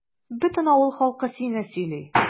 Бөтен авыл халкы сине сөйли.